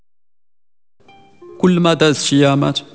كلمات